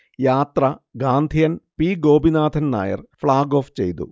യാത്ര Gandhian P Gopinathan Nair flag off ചെയ്തു